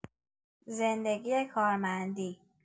زندگی کارمندی